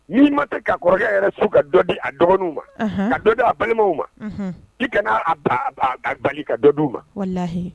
N'i ma tɛ ka kɔrɔkɛ yɛrɛ su ka dɔ di a dɔgɔninw ma ka dɔ di a balimaw ma i kana a ba ba ka ka dɔ d' ma